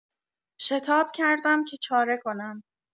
شتاب کردم که چاره کنم.